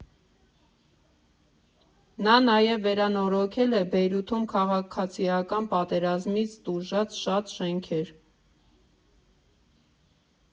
Նա նաև վերանորոգել է Բեյրութում քաղաքացիական պատերազմից տուժած շատ շենքեր։